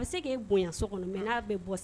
A bɛ se' bonyayan so kɔnɔ mɛ n'a bɛ bɔ